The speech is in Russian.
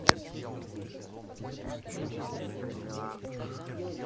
это новый кадиллак